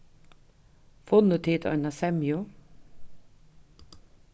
funnu tit eina semju